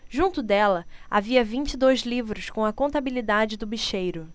junto dela havia vinte e dois livros com a contabilidade do bicheiro